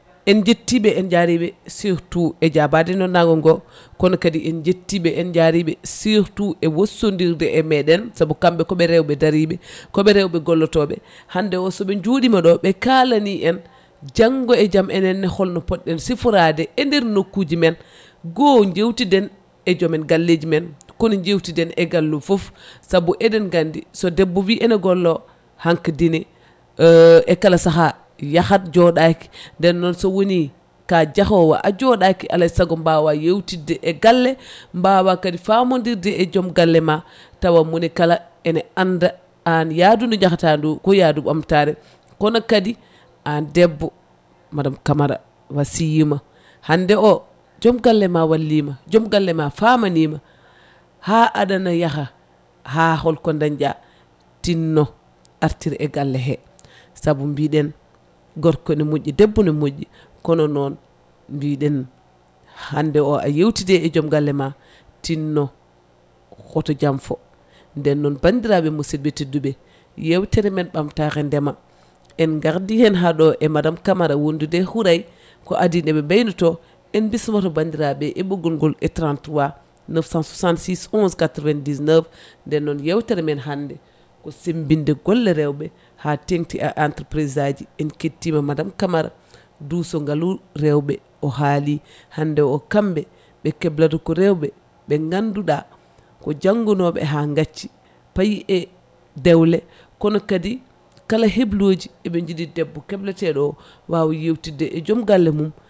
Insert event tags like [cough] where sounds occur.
en jettiɓe en jariɓe surtout e jaabade noddago ngo kono kadi en jettiɓe en jariɓe surtout e wossodirde emeɗen saabu kamɓe koɓe rewɓe daariɓe koɓe rewɓe gollotoɓe hande soɓe jooɗima ɗo ɓe kalani en janggo e jaam enenne holno poɗɗen siforade e nder nokkuji men goho jewtiden e joom en galleji men kono jewtiden e galle o foof saabu eɗen gandi so debbo wi ene gollo hankkadine [hesitation] e kala saaha yaahat joɗaki nden noon so woni ka jaahawo a jooɗaki aley saago mbawa yewtidde e galle mbawa kadi famaodirde e joom galle ma tawa moni kala ene anda na yaadu ndu jaahata ndu ko yaadu ɓamtare kono kadi an debbo madame Camara wasiyima hande o joom galle ma wallima joom galle ma famanima ha aɗana yaaha ha holko dañɗa tinno artir e galle he saabu mbiɗen gorko ne moƴƴi debbo ne moƴƴi kono noon mbiɗen hande o a yewtide e joom galle ma tinno hoto janffo nden noon bandiraɓe musidɓe tedduɓe yewtere men ɓamtare ndeema en gardi hen haɗo e madame Camara wondude e Hourye ko adi deɓe baynoto en bismoto bandiraɓe e ɓoggol ngol 33 966 11 99 nden noon men hende ko sembinde golle rewɓe ha tengti e entreprise aji en kettima madame Camara duuso ngaalurewɓe o haali hande o kamɓe ve keblata ko rewɓe ɓe ganduɗa ko janggunoɓe ha gacci paayi e dewle kono kadi kala heloji eɓe jiiɗi debbo kebleteɗo o wawa yewtidde e joom galle mum